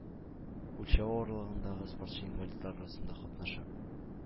Үлчәү авырлыгындагы спортчы инвалидлар арасында катнашып,